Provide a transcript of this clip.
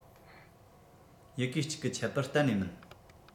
ཡི གེ གཅིག གི ཁྱད པར གཏན ནས མིན